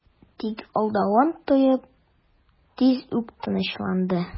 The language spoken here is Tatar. Тик алдануын тоеп, тиз үк тынычланды...